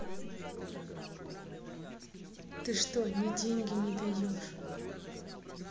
ты что не деньги не даешь